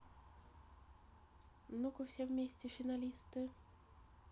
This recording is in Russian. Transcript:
ну ка все вместе финалисты